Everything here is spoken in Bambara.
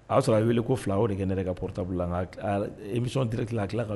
A y' sɔrɔ a weele wele ko fila o de kɛ ne ka pta bila misɔn terikɛ tilala tila ka